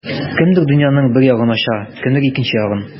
Кемдер дөньяның бер ягын ача, кемдер икенче ягын.